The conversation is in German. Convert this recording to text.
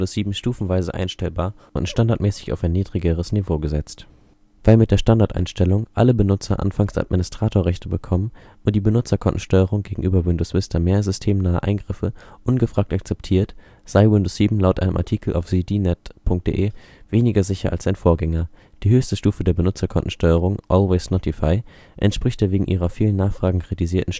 7 stufenweise einstellbar und standardmäßig auf ein niedrigeres Niveau gesetzt. Weil mit der Standardeinstellung alle Benutzer anfangs Administratorrechte bekommen und die Benutzerkontensteuerung gegenüber Windows Vista mehr systemnahe Eingriffe ungefragt akzeptiert, sei Windows 7 laut einem Artikel auf ZDNet.de weniger sicher als sein Vorgänger. Die höchste Stufe der Benutzerkontensteuerung („ Always notify “) entspricht der wegen ihrer vielen Nachfragen kritisierten